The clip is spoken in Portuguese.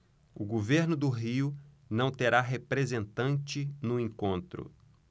o governo do rio não terá representante no encontro